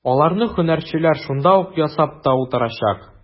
Аларны һөнәрчеләр шунда ук ясап та утырачак.